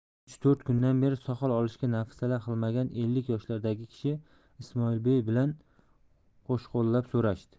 uch to'rt kundan beri soqol olishga hafsala qilmagan ellik yoshlardagi kishi ismoilbey bilan qo'shqo'llab so'rashdi